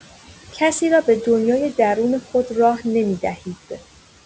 کسی را به دنیای درون خود راه نمی‌دهید.